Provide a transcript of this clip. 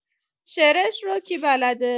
شعرش رو کی بلده؟